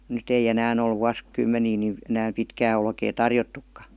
nyt ei enää ole - vuosikymmeniin niin enää pitkää olkea tarjottukaan